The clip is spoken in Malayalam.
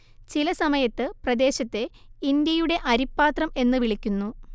ചിലസമയത്ത് പ്രദേശത്തെ ഇന്ത്യയുടെ അരിപ്പാത്രം എന്നു വിളിക്കുന്നു